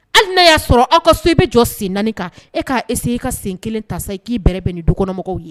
Hali n'a y'a sɔrɔ aw ka so i bɛ jɔ sen naani kan e k' ese' ka sen kelen ta i k'i bɛ bɛn nin dukɔnɔmɔgɔw ye